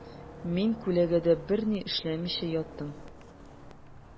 Мин күләгәдә берни эшләмичә яттым.